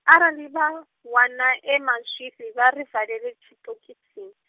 arali vha, wana e mazwifhi, vha ri valele tshiṱokisini.